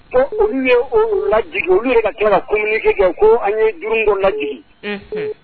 Ko olu ye la u ka kɛrake kɛ ko an ye juruko lajɛjji